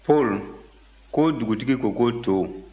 paul ko dugutigi ko ko to